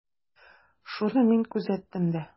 Шуны мин күзәттем дә.